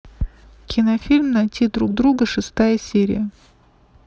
кинофильм найти друг друга шестая серия